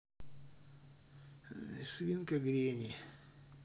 свинка гренни